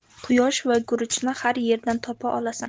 quyosh va guruchni har yerdan topa olasan